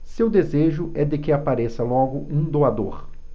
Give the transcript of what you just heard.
seu desejo é de que apareça logo um doador